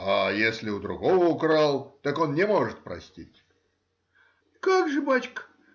— А если у другого украл, так он не может простить? — Как же, бачка?